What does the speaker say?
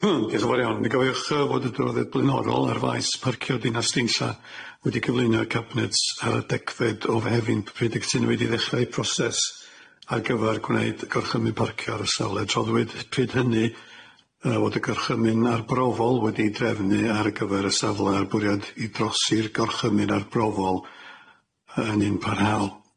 Diolch yn fawr iawn. Ni gofiwch yy fod y droddiad blaenorol ar faes parcio dinas deinsa wedi gyflwyno y cabinets ar y decfed o Fehefin pryd y cytunwyd i ddechrau y proses ar gyfer gwneud gorchymyn parcio ar y safle draddwyd,. pryd hynny yy fod y gorchymyn arbrofol wedi'i drefnu ar gyfer y safle ar bwriad i drosi'r gorchymyn arbrofol yy yn un parhaol.